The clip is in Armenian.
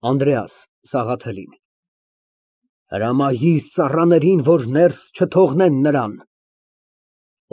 ԱՆԴՐԵԱՍ ֊ (Սաղաթելին) Հրամայիր ծառաներին, որ ներս չթողնեն նրան։